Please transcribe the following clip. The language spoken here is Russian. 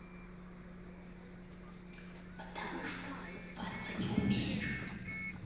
потому что обзываться не умеешь